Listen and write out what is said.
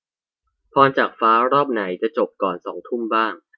พรจากฟ้ารอบไหนจบก่อนสองทุ่มบ้าง